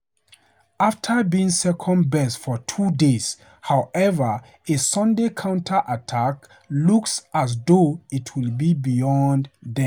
After being second-best for two days, however, a Sunday counter-attack looks as though it will be beyond them.